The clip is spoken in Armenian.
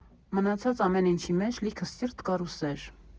Մնացած ամեն ինչի մեջ լիքը սիրտ կար ու սեր։